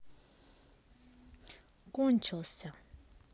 кончился